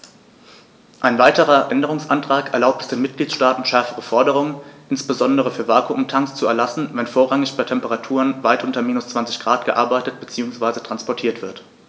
Ein weiterer Änderungsantrag erlaubt es den Mitgliedstaaten, schärfere Forderungen, insbesondere für Vakuumtanks, zu erlassen, wenn vorrangig bei Temperaturen weit unter minus 20º C gearbeitet bzw. transportiert wird.